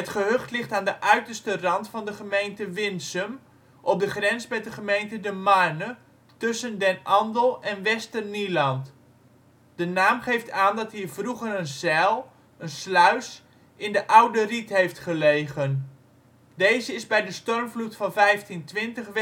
gehucht ligt aan de uiterste rand van de gemeente Winsum, op de grens met de gemeente De Marne, tussen Den Andel en Westernieland. De naam geeft aan dat hier vroeger een zijl (is sluis) in de Oude Riet heeft gelegen. Deze is bij de stormvloed van 1520 weggeslagen